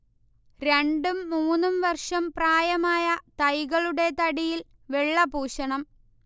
രണ്ടും മൂന്നും വർഷം പ്രായമായ തൈകളുടെ തടിയിൽ വെള്ള പൂശണം